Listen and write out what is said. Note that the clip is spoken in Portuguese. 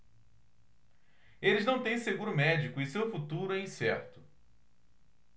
eles não têm seguro médico e seu futuro é incerto